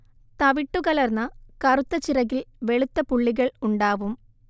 തവിട്ടുകലർന്ന കറുത്ത ചിറകിൽ വെളുത്ത പുള്ളികൾ ഉണ്ടാവും